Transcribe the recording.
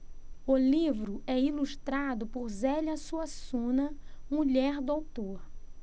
o livro é ilustrado por zélia suassuna mulher do autor